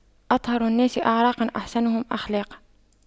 أطهر الناس أعراقاً أحسنهم أخلاقاً